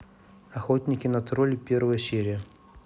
охотники на троллей первая серия